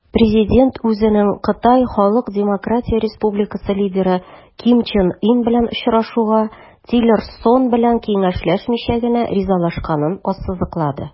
Президент үзенең КХДР лидеры Ким Чен Ын белән очрашуга Тиллерсон белән киңәшләшмичә генә ризалашканын ассызыклады.